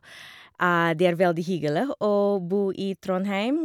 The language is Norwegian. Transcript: Det er veldig hyggelig å bo i Trondheim.